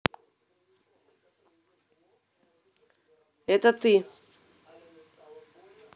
это ты